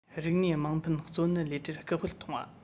རིག གནས དམངས ཕན གཙོ གནད ལས གྲྭར སྐུལ སྤེལ གཏོང བ